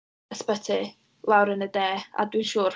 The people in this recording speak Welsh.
ysbyty lawr yn y De, a dwi'n siŵr...